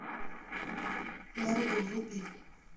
марго руби